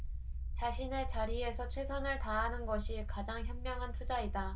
자신의 자리에서 최선을 다하는 것이 가장 현명한 투자이다